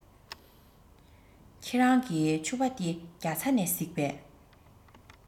ཁྱེད རང གི ཕྱུ པ དེ རྒྱ ཚ ནས གཟིགས པས